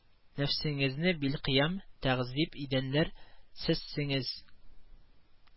Нәфсеңезне билкыям тәгъзиб идәнләр сезсеңез